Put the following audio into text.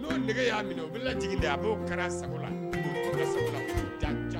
N'o y'a minɛ u jigin de a b'o kara sagogo la bɛ ja